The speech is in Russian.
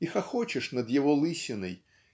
и хохочешь над его лысиной